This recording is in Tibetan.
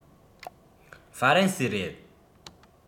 ཧྥ རན སིའི རེད